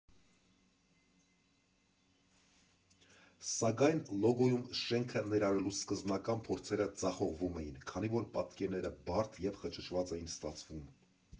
Սակայն լոգոյում շենքը ներառելու սկզբնական փորձերը ձախողվում են, քանի որ պատկերները բարդ և խճճված էին ստացվում.